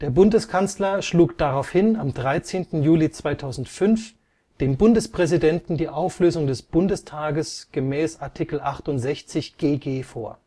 Bundeskanzler schlug daraufhin am 13. Juli 2005 dem Bundespräsidenten die Auflösung des Bundestages gemäß Art. 68 GG vor